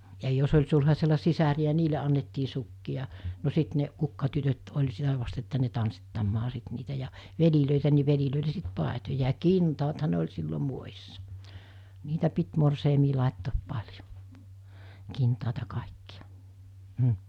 ja jos oli sulhasella sisaria niille annettiin sukkia no sitten ne kukkatytöt oli sitä vasten että ne tanssittamaan sitten niitä ja veljiä niin veljille sitten paitoja ja kintaathan ne oli silloin muodissa niitä piti morsiamen laittaa paljon kintaita kaikkia mm